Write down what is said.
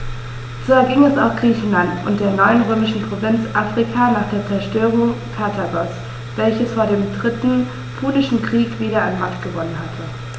So erging es auch Griechenland und der neuen römischen Provinz Afrika nach der Zerstörung Karthagos, welches vor dem Dritten Punischen Krieg wieder an Macht gewonnen hatte.